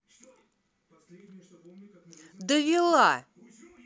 довела